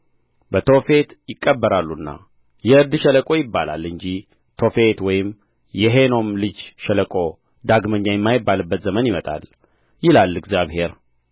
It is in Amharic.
በቶፌት ይቀበራሉና የእርድ ሸለቆ ይባላል እንጂ ቶፌት ወይም የሄኖም ልጅ ሸለቆ ዳግመኛ የማይባልበት ዘመን ይመጣል ይላል እግዚአብሔር